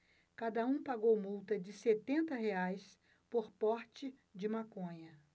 cada um pagou multa de setenta reais por porte de maconha